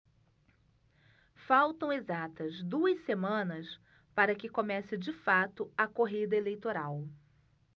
faltam exatas duas semanas para que comece de fato a corrida eleitoral